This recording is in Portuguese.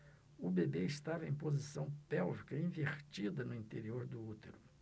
o bebê estava em posição pélvica invertida no interior do útero